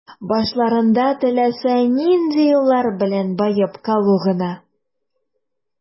Башларында теләсә нинди юллар белән баеп калу гына.